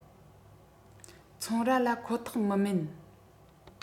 ཚོང ར ལ ཁོ ཐག མི དམན